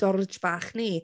Jiorj bach ni.